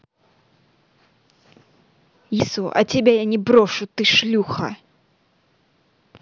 я люблю алису а тебя не брошу ты шлюха